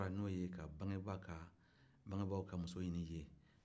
n'o ka bangebaga ka bangebagaw ka muso ɲinin i ye